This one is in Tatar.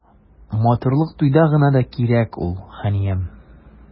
Матурлык туйда гына кирәк ул, ханиям.